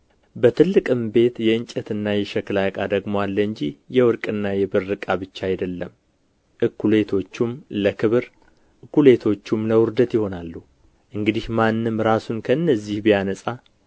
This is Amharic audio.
በትልቅም ቤት የእንጨትና የሸክላ ዕቃ ደግሞ አለ እንጂ የወርቅና የብር ዕቃ ብቻ አይደለም እኵሌቶቹም ለክብር እኵሌቶቹም ለውርደት ይሆናሉ እንግዲህ ማንም ራሱን ከእነዚህ ቢያነጻ